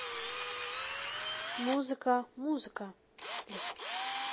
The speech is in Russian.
музыка музыка